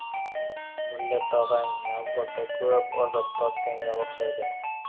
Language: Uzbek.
mullo tog'oying yomg'irda ko'p azob tortganga o'xshaydir